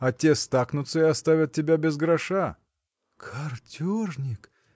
а те стакнутся и оставят тебя без гроша. – Картежник!